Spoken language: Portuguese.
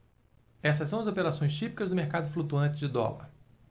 essas são as operações típicas do mercado flutuante de dólar